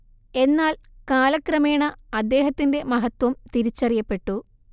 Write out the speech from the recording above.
എന്നാൽ കാലക്രമേണ അദ്ദേഹത്തിന്റെ മഹത്ത്വം തിരിച്ചറിയപ്പെട്ടു